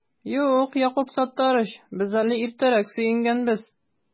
Юк, Якуб Саттарич, без әле иртәрәк сөенгәнбез